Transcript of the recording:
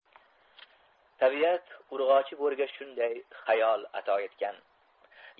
tabiat urg'ochi bo'riga shunday hayol ato etgan